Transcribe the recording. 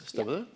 stemmer det?